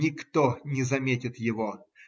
Никто не заметит его